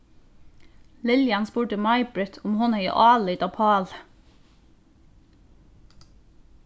liljan spurdi majbritt um hon hevði álit á páli